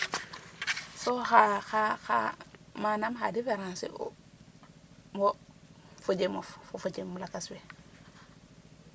so xa xa manam xa difference u wo fo jem of fo fo jem lakas we ?